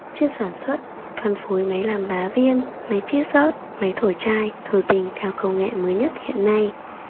chuyên sản xuất phân phối máy làm đá viên máy chiết rót máy thổi chai thổi bình theo công nghệ mới nhất hiện nay